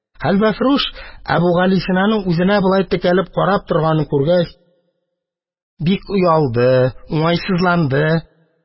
Хәлвәфрүш, Әбүгалисинаның үзенә болай текәлеп карап торганын күргәч, бик оялды, уңайсызланды.